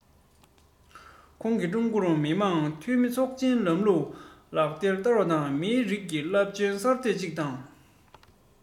ཁོང གིས ཀྲུང གོར མི དམངས འཐུས མི ཚོགས ཆེན གྱི ལམ ལུགས ལག ལེན བསྟར བ ནི མིའི རིགས ཀྱི རླབས ཆེའི གསར གཏོད ཅིག དང